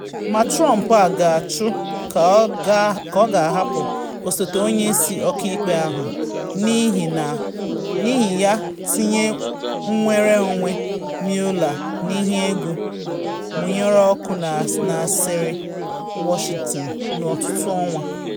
Ma Trump a ga-achụ ka ọ ga-ahapụ osote onye isi ọka ikpe ahụ, n’ihi ya tinye nnwere onwe Mueller n’ihe egwu, mụnyere ọkụ na asịrị Washington n’ọtụtụ ọnwa.